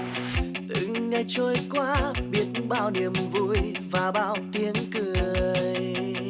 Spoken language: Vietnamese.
từng ngày trôi qua biết bao niềm vui và bao tiếng cười